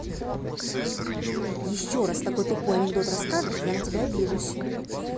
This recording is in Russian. еще раз такой тупой анекдот расскажешь я на тебя обижусь